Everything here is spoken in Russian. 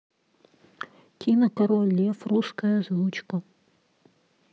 кино король лев русская озвучка